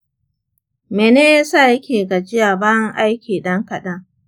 mene yasa yake gajiya bayan aiki ɗan kaɗan